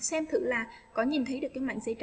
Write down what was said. xem thử lạc có nhìn thấy được tin nhắn giấy